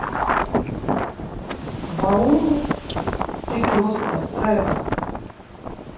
вауну ты просто секс